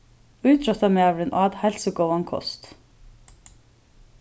ítróttarmaðurin át heilsugóðan kost